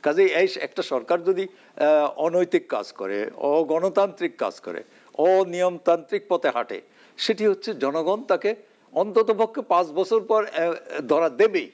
কাজেই একটা সরকার যদি অনৈতিক কাজ করে অগণতান্ত্রিক কাজ করে অনিয়মতান্ত্রিক পথে হাঁটে সেটি হচ্ছে জনগণ তাকে অন্ততপক্ষে ৫ বছর পর ধরা দেবেই